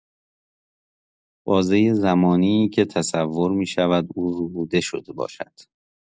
بازه زمانی‌ای که تصور می‌شود او ربوده شده باشد.